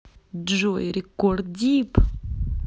джой рекорд deep